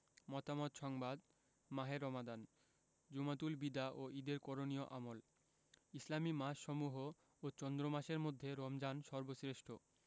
মতামত সংবাদ মাহে রমাদান জুমাতুল বিদা ও ঈদের করণীয় আমল ইসলামি মাসসমূহ ও চন্দ্রমাসের মধ্যে রমজান সর্বশ্রেষ্ঠ